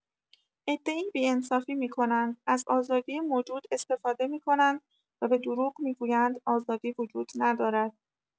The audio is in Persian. عده‌ای بی‌انصافی می‌کنند، از آزادی موجود استفاده می‌کنند و به دروغ می‌گویند آزادی وجود ندارد.